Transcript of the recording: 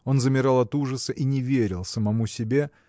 Он замирал от ужаса и не верил самому себе